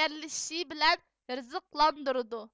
يەرلىشىشى بىلەن رىزقىلاندۇرىدۇ